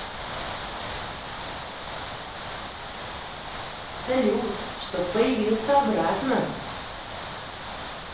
салют чтоб появился обратно